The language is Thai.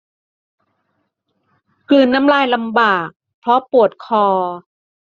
กลืนน้ำลายลำบากเพราะปวดคอ